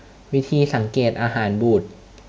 วิธีสังเกตอาหารบูด